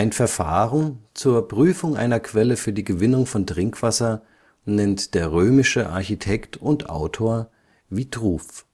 Verfahren zur Prüfung einer Quelle für die Gewinnung von Trinkwasser nennt der römische Architekt und Autor Vitruv